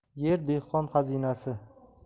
yer dehqon xazinasi